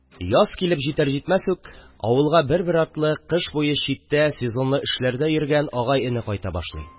Яз килеп җитәр-җитмәс үк авылга, бер-бер артлы, кыш буе читтә сезонлы эшләрдә йөргән агай-эне кайта башлый